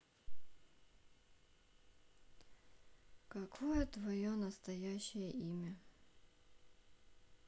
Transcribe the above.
какое твое настоящее имя